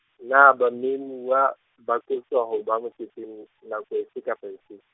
Na ba memuwa, ba koptjwa ho ba moketeng, nako efe kapa efe?